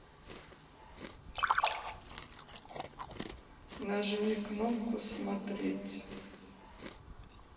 нажми кнопку смотреть